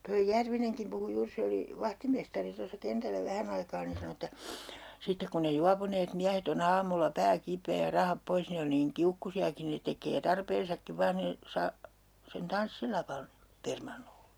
tuo Järvinenkin puhui juuri se oli vahtimestari tuossa kentällä vähän aikaa niin sanoi että sitten kun ne juopuneet miehet on aamulla pää kipeä ja rahat pois ne on niin kiukkuisiakin ne tekee tarpeensakin vain niin - sen tanssilavan permannolle